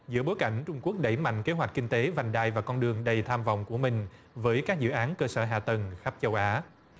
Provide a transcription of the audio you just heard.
giữa bối cảnh trung quốc đẩy mạnh kế hoạch kinh tế vành đai và con đường đầy tham vọng của mình với các dự án cơ sở hạ tầng khắp châu á